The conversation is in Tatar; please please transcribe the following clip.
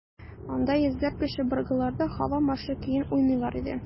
Анда йөзләп кеше быргыларда «Һава маршы» көен уйныйлар иде.